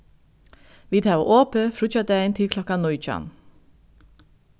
vit hava opið fríggjadagin til klokkan nítjan